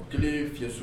1 fiɲɛ s